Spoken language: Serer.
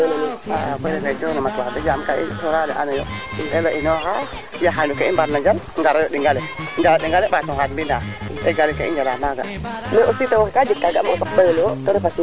ok tamit des fois keke ando naye des fois ande comme ga ano rang lana a jega maaga kaana weera i ndeta nga bo ande a saq ta a saxada fada naga wagan mo ley parce que a foora ne refa manam pertement na nuun keke ando naye xana weera kama ɗinga le